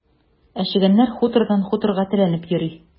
Ә чегәннәр хутордан хуторга теләнеп йөри.